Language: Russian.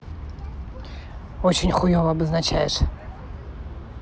очень хуево обозначаешь